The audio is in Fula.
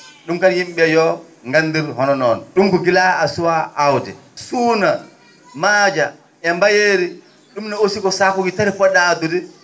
?um kadi yim?e ?ee yo nganndir hono noon ?um ko gila a suwaa aawde suuna maaja e mbayeeri ?umne aussi ko saakuuji tati po??a addude